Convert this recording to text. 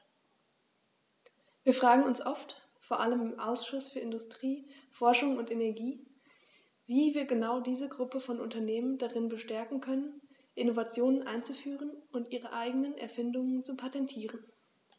Wir fragen uns oft, vor allem im Ausschuss für Industrie, Forschung und Energie, wie wir genau diese Gruppe von Unternehmen darin bestärken können, Innovationen einzuführen und ihre eigenen Erfindungen zu patentieren.